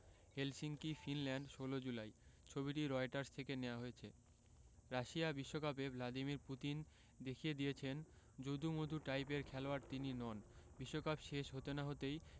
Helsinki Finland ১৬ July ছবিটি Reuters থেকে নেয়া হয়েছে রাশিয়া বিশ্বকাপে ভ্লাদিমির পুতিন দেখিয়ে দিয়েছেন যদু মধু টাইপের খেলোয়াড় তিনি নন বিশ্বকাপ শেষে হতে না হতেই